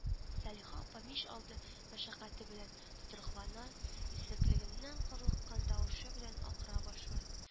Сәлихә апа мич алды мәшәкате белән тотрыклана, исереклегеннән карлыккан тавышы белән акыра башлый: